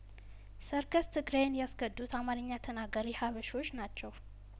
ሰርከስ ትግራይን ያስከዱት አማርኛ ተናጋሪ ሀበሾች ናቸው